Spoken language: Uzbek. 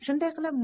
shunday qilib